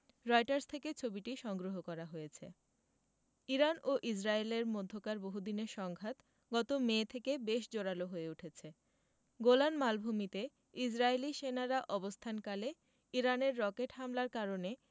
Reuters থেকে ছবিটি সংগ্রহ করা হয়েছে ইরান ও ইসরায়েলের মধ্যকার বহুদিনের সংঘাত গত মে থেকে বেশ জোরালো হয়ে উঠেছে গোলান মালভূমিতে ইসরায়েলি সেনারা অবস্থানকালে ইরানের রকেট হামলার কারণে